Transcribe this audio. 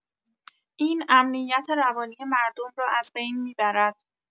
این امنیت روانی مردم را از بین می‌برد.